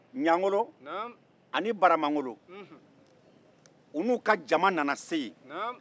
ɲangolo ani baramangolo u n'u ka jama nana se yen